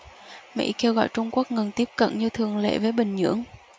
mỹ kêu gọi trung quốc ngừng tiếp cận như thường lệ với bình nhưỡng